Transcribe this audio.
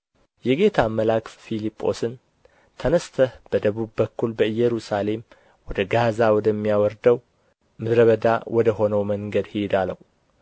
የጌታም መልአክ ፊልጶስን ተነሥተህ በደቡብ በኩል ከኢየሩሳሌም ወደ ጋዛ ወደሚያወርደው ምድረ በዳ ወደ ሆነ መንገድ ሂድ አለው